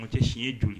Anw tɛ si ye joli